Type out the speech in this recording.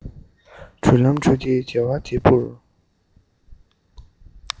འདྲུད ལྷམ དྲུད དེ དལ བ དལ བུར